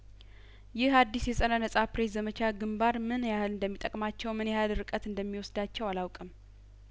ይህ አዲስ የጸረ ነጻ ፕሬስ ዘመቻ ግንባርምን ያህል እንደሚጠቅማቸውምን ያህል ርቀት እንደሚወስዳቸው አላውቅም